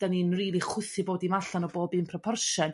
dyn ni'n rili chwythu bob dim allan o bob un proportion.